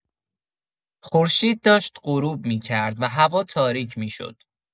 خورشید داشت غروب می‌کرد و هوا تاریک می‌شد.